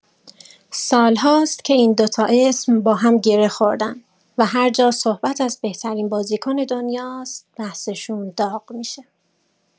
سال‌هاست که این دوتا اسم با هم گره‌خوردن و هر جا صحبت از بهترین بازیکن دنیاست، بحثشون داغ می‌شه.